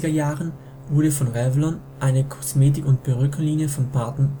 Jahren wurde von Revlon eine Kosmetik - und Perückenlinie von Parton